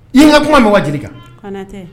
I ye n ka kuma mɛ wa Jelika? Konatɛ